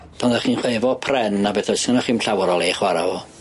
Pan o'ch chi'n chwe- efo pren a betha sgynnoch chi'm llawer o le i chwara' fo.